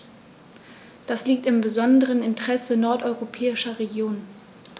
Dies liegt im besonderen Interesse nordeuropäischer Regionen.